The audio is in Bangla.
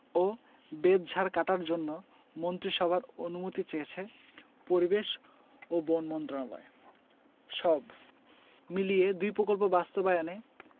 ও বেতঝাড় কাটার জন্য মন্ত্রিসভার অনুমতি চেয়েছে পরিবেশ ও বন মন্ত্রণালয় সব মিলিয়ে দুই প্রকল্প বাস্তবায়নে